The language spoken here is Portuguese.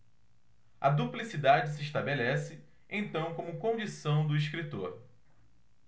a duplicidade se estabelece então como condição do escritor